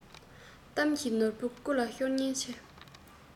གཏམ གྱི ནོར བུ རྐུ ལ ཤོར ཉེན ཆེ